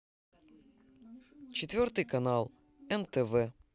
четвертый канал нтв